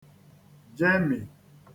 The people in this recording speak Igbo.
jemì